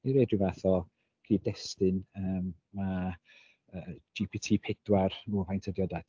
I roid ryw fath o gyd-destun yym mae yy GPT pedwar dwi'm yn gwbod faint ydy o dŵad?